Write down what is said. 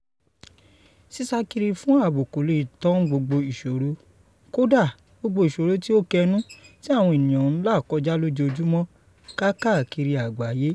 Sísá kiri fún ààbò kò lè tán gbogbo ìṣòro -- kódà gbogbo ìṣòro tí ó kẹnú -- tí àwọn ènìyàn ń là kọjá lójoojúmọ́ kaakiri agbàayé.